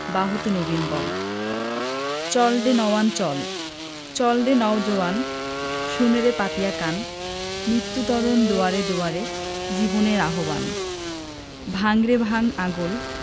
বাহুতে নবীন বল চল রে নওয়ান চল চল রে নও জোয়ান শোন রে পাতিয়া কান মিত্যু তরণ দোয়ারে দোয়ারে জীবনের আহবান ভাঙ রে ভাঙ আগল